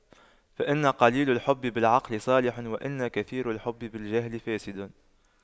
فإن قليل الحب بالعقل صالح وإن كثير الحب بالجهل فاسد